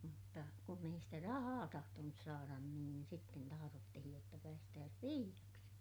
mutta mutta kun ei sitä rahaa tahtonut saada niin sitten tahdottiin jotta päästäisiin piiaksi